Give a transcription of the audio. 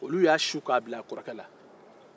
olu y'a su k'a bila a kɔrɔkɛ la